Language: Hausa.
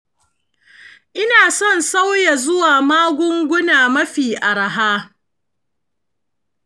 ina son sauya zuwa magunguna mafi arha.